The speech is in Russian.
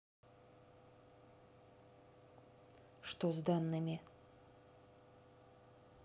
что с данными